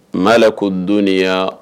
Malɛku dunniya